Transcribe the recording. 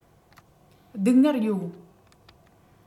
སྡུག སྔལ ཡོད